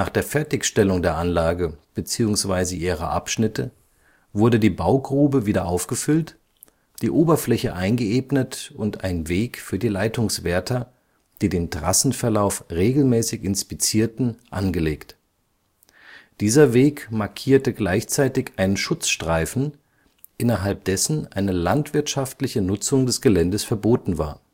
der Fertigstellung der Anlage, beziehungsweise ihrer Abschnitte, wurde die Baugrube wieder aufgefüllt, die Oberfläche eingeebnet und ein Weg für die Leitungswärter, die den Trassenverlauf regelmäßig inspizierten, angelegt. Dieser Weg markierte gleichzeitig einen Schutzstreifen, innerhalb dessen eine landwirtschaftliche Nutzung des Geländes verboten war